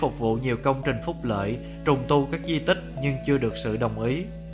nhiều công trình phúc lợi trùng tu các di tích nhưng chưa nhận được sự đồng ý